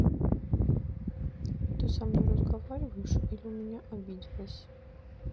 ты со мной разговариваешь или у меня обиделась